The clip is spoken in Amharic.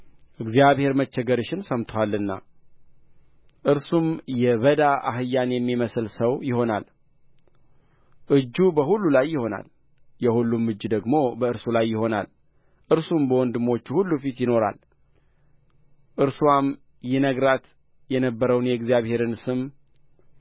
እግዚአብሔር መቸገርሽን ሰምቶአልና እርሱም የበዳ አህያን የሚመስል ሰው ይሆናል እጁ በሁሉ ላይ ይሆናል የሁሉም እጅ ደግሞ በእርሱ ላይ ይሆናል እርሱም በወንድሞቹ ሁሉ ፊት ይኖራል እርስዋም ይናገራት የነበረውን የእግዚአብሔርን ስም